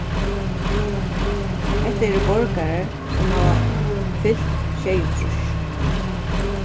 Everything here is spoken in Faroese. hetta eru borgarar sum hava fylt sjeyogtrýss